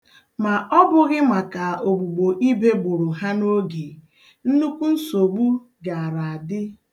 Ma ọ bụghị maka ogbugbo Ibe gboro ha n'oge, nnukwu nsogbu gaara adị.